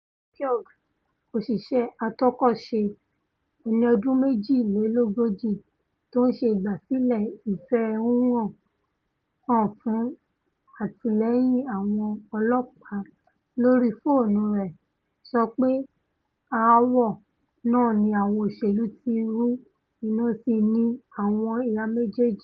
Joan Puig, òṣìṣẹ́ àtọkọ̀ṣe ẹni ọdún méjìlélógójì tó ńṣe ìgbàsílẹ̀ ìfẹ̀hónúhàn hàn fún àtìlẹ́yìn àwọn ọlọ́ọ̀pá lórí fóònu rẹ̀, sọ pé aáwọ̀ nàà ní àwọn òṣèlu ti rú iná sí ní àwọn ìhà méjèèjì.